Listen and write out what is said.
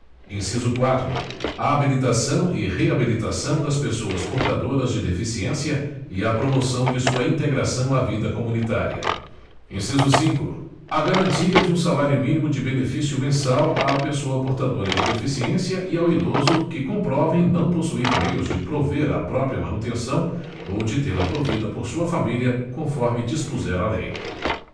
inciso quatro a habilitação e reabilitação das pessoas portadoras de deficiência e a promoção de sua integração à vida comunitária inciso cinco a garantia de um salário mínimo de benefício mensal à pessoa portadora de deficiência e ao idoso que comprovem não possuir meios de prover à própria manutenção ou de tê la provida por sua família conforme dispuser a lei